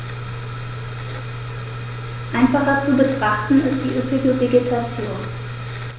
Einfacher zu betrachten ist die üppige Vegetation.